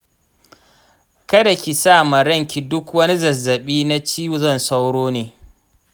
ka da ki sa ma ranki duk wani zazzaɓi na cizon sauro ne.